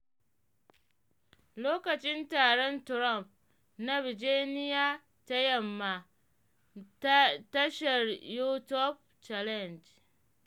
Lokacin Taron Trump na Virginia ta Yamma, Tashar YouTube Channel